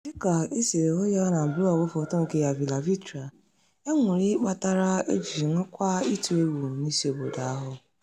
Dịka e siri hụ ya na blọọgụ foto nke avylavitra, e nwere ihe kpatara e jiri nwekwara ịtụ egwu n'isi obodo ahụ.